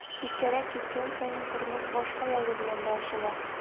Читкәрәк киткән саен тормыш башка ягы белән дә ачыла.